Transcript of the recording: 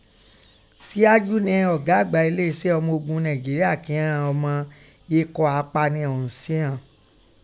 Síaju nẹ ọga agba eleeṣẹ ọmọ ogun Nainjrea kí ìghọn ọmọ ikọ̀ apani ọ̀hún sẹ́họ̀n.